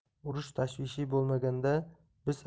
urush tashvishi bo'lmaganda biz avval